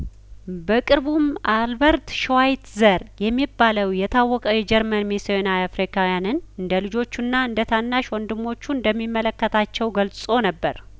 በቅርቡም አልበርት ሸዋይት ዘር የሚባለው የታወቀ የጀርመን ሚስዮናዊ አፍሪካውያንን እንደልጆቹና እንደታናሽ ወንድሞቹ እንደሚመለከታቸው ገልጾ ነበር